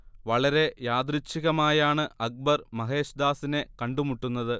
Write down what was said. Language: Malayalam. വളരെ യാദൃച്ഛികമായാണ് അക്ബർ മഹേശ് ദാസിനെ കണ്ടുമുട്ടുന്നത്